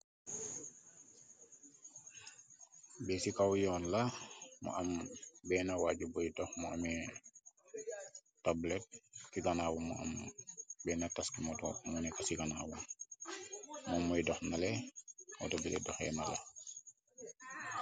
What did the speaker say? Bii ci kaw yoon la, mu am benna waaju buy dox mu amee tablet. Ci ganaawam, mu am beena taksi mu neko ci ganaawu mom muy dox nale otobi doxee nale.